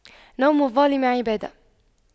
نوم الظالم عبادة